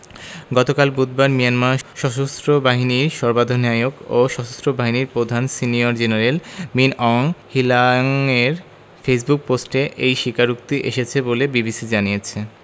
গতকাল বুধবার মিয়ানমার সশস্ত্র বাহিনীর সর্বাধিনায়ক ও সশস্ত্র বাহিনীর প্রধান সিনিয়র জেনারেল মিন অং হ্লিয়াংয়ের ফেসবুক পোস্টে এই স্বীকারোক্তি এসেছে বলে বিবিসি জানিয়েছে